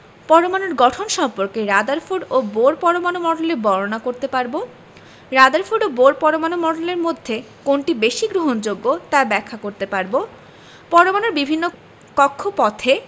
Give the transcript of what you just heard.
পরমাণুর গঠন সম্পর্কে রাদারফোর্ড ও বোর পরমাণু মডেলের বর্ণনা করতে পারব রাদারফোর্ড ও বোর পরমাণু মডেলের মধ্যে কোনটি বেশি গ্রহণযোগ্য তা ব্যাখ্যা করতে পারব পরমাণুর বিভিন্ন কক্ষপথে